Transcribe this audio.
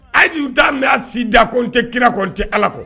Adu u ta bɛ si da ko tɛ kira kɔn tɛ ala kuwa